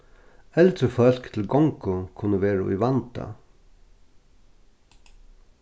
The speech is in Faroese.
eldri fólk til gongu kunnu vera í vanda